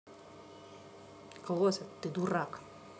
closed ты дурак